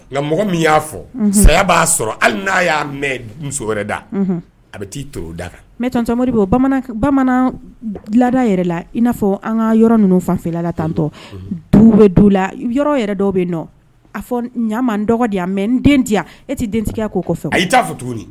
Nka mɔgɔ min y'a fɔ saya b'a sɔrɔ hali n'a y'a mɛ muso wɛrɛ da a bɛ t taai to da kan mɛtomori bamanan laada yɛrɛ la i n'a fɔ an ka yɔrɔ ninnu fanfɛla la tantɔ du bɛ du la yɔrɔ yɛrɛ dɔw bɛ a fɔ ɲa dɔgɔ di mɛ n denya e tɛ dentigiya k' kɔfɛ a' t'a fɛ tuguni